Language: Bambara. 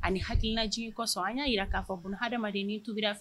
Ani hainaj kɔsɔn an y'a jira k'a fɔ ko ha adamadamaden ni tubira fɛ